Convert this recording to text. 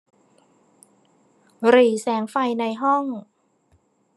หรี่แสงไฟในห้อง